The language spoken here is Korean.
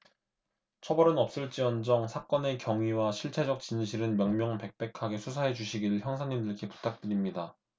처벌은 없을지언정 사건의 경위와 실체적 진실은 명명백백하게 수사해주시기를 형사님들께 부탁드립니다